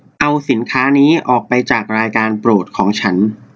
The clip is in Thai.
เอาสินค้านี้ออกไปจากรายการโปรดของฉัน